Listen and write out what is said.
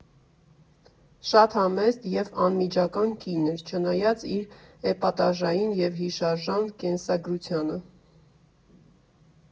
Շատ համեստ և անմիջական կին էր, չնայած իր էպատաժային և հիշարժան կենսագրությանը։